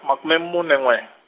makume mune n'we.